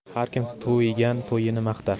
har kim to'ygan to'yini maqtar